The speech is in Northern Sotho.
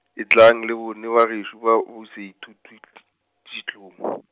etlang le bone bagešo, ba boSeithut- -thuteditlou.